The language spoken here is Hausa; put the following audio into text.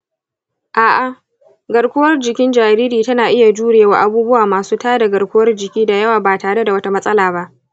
a’a, garkuwar jikin jariri tana iya jure wa abubuwa masu tada garkuwar jiki da yawa ba tare da wata matsala ba.